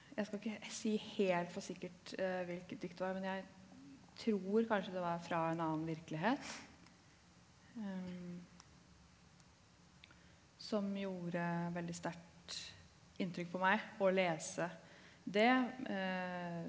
jeg skal ikke si helt for sikkert hvilket dikt det var, men jeg tror kanskje det var Fra en annen virkelighet som gjorde veldig sterkt inntrykk på meg å lese det .